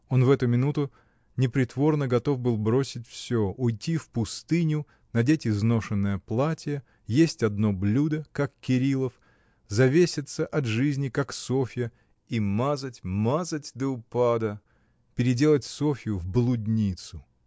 Он в эту минуту непритворно готов был бросить всё, уйти в пустыню, надеть изношенное платье, есть одно блюдо, как Кирилов, завеситься от жизни, как Софья, и мазать, мазать до упада, переделать Софью в блудницу.